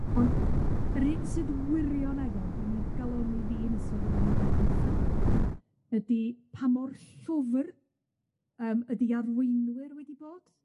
Ond yr 'yn sydd wirioneddol 'di digaloni i fi yn ystod y blynyddoedd dwytha 'ma ydi pa mor llwfr yym ydi arweinwyr wedi bod.